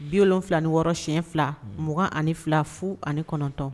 Bi wolonwula ni wɔɔrɔ siyɛn fila 2 ani fila fu ani kɔnɔntɔn